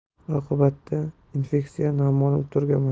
oqibatda infeksiya noma'lum turga